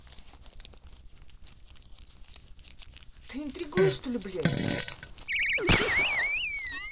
что интригуешь что ли блядь